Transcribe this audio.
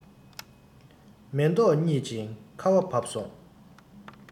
མེ ཏོག རྙིད ཅིང ཁ བ བབས སོང